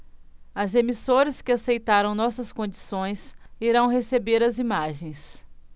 as emissoras que aceitaram nossas condições irão receber as imagens